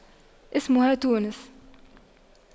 اسمها تونس